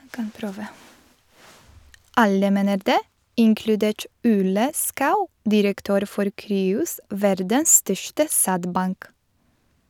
"Alle mener det, inkludert Ole Schou, direktør for Cryos, verdens største sædbank".